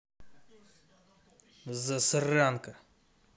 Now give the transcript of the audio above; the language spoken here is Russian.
засранка